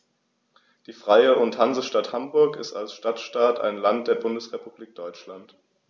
Die Freie und Hansestadt Hamburg ist als Stadtstaat ein Land der Bundesrepublik Deutschland.